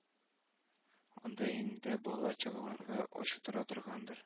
Анда өеңдә бала-чагаларың ач утыра торганнардыр